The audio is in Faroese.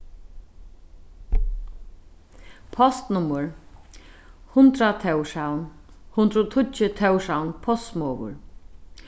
postnummur hundrað tórshavn hundrað og tíggju tórshavn postsmogur